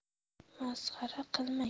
masxara qilmang